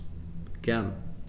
Gern.